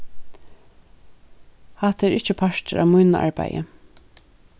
hatta er ikki partur av mínum arbeiði